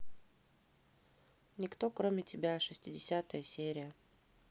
никто кроме тебя шестидесятая серия